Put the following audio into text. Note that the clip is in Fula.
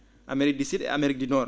Amérique du Sud et Amérique du Nord